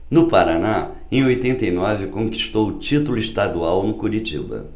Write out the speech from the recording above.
no paraná em oitenta e nove conquistou o título estadual no curitiba